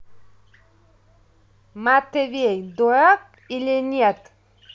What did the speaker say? матвей дурак или нет